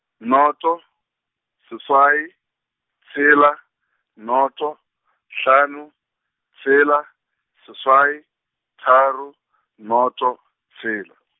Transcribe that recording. noto, seswai, tshela, noto, hlano, tshela, seswai, tharo, noto, tshela.